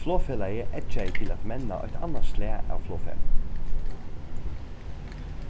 flogfelagið eggjaði til at menna eitt annað slag av flogfari